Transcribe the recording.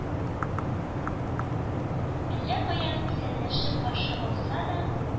Әллә каян исәнләшеп каршы алса да,